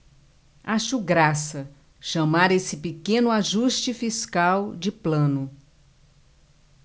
acho graça chamar esse pequeno ajuste fiscal de plano